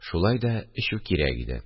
Шулай да эчү кирәк иде